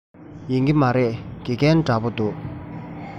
ཡིན གྱི མ རེད དགེ རྒན འདྲ པོ འདུག